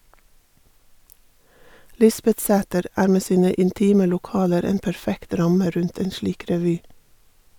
Lisbetsæter er med sine intime lokaler en perfekt ramme rundt en slik revy.